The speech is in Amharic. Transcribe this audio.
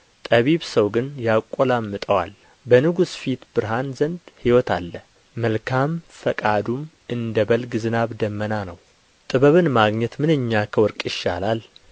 ጠቢብ ሰው ግን ያቈላምጠዋል በንጉሥ ፊት ብርሃን ዘንድ ሕይወት አለ መልካም ፈቃዱም እንደ በልግ ዝናብ ደመና ነው ጥበብን ማግኘት ምንኛ ከወርቅ ይሻላል